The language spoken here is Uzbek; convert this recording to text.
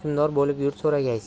hukmdor bo'lib yurt so'ragaysiz